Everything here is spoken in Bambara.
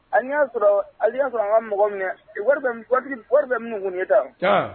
A y'a sɔrɔ a y'a sɔrɔ an ka mɔgɔ minɛ wari wari bɛ minnukun ye da